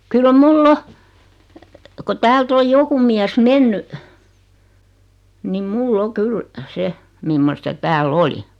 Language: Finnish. kyllä minulla on kun täältä on joku mies mennyt niin minulla on kyllä se mimmoista täällä oli